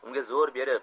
unga zo'r berib